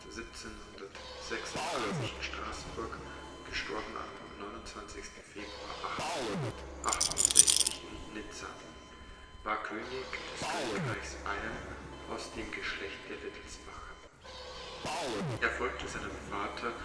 1786 in Straßburg; † 29. Februar 1868 in Nizza) war König des Königreiches Bayern aus dem Geschlecht der Wittelsbacher. Er folgte seinem Vater